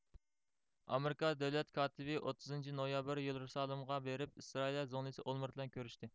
ئامېرىكا دۆلەت كاتىپى ئوتتۇزىنچى نويابىر يېرۇسالېمغا بېرىپ ئىسرائىلىيە زۇڭلىسى ئولمېرت بىلەن كۆرۈشتى